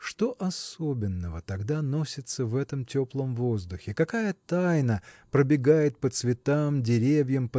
Что особенного тогда носится в этом теплом воздухе? Какая тайна пробегает по цветам деревьям